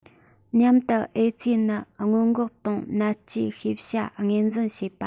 མཉམ དུ ཨེ ཙི ནད སྔོན འགོག དང སྨན བཅོས ཤེས བྱ ངོས འཛིན བྱེད པ